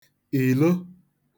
ìlo